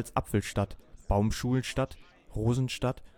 Apfelstadt “,„ Baumschulstadt “,„ Rosenstadt